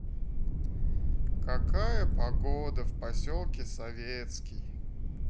какая погода в поселке советский